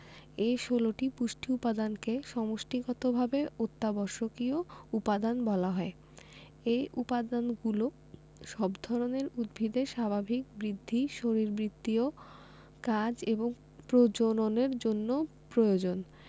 এ ১৬টি পুষ্টি উপাদানকে সমষ্টিগতভাবে অত্যাবশ্যকীয় উপাদান বলা হয় এই উপাদানগুলো সব ধরনের উদ্ভিদের স্বাভাবিক বৃদ্ধি শরীরবৃত্তীয় কাজ এবং প্রজননের জন্য প্রয়োজন